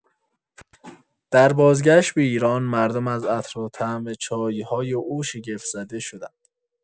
در بازگشت به ایران، مردم از عطر و طعم چای‌های او شگفت‌زده شدند.